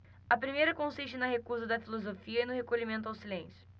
a primeira consiste na recusa da filosofia e no recolhimento ao silêncio